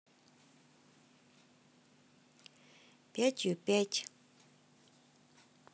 пятью пять